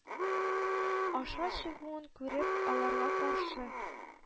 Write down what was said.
Аша чыгуын күреп, аларга каршы